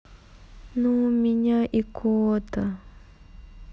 ну у меня икота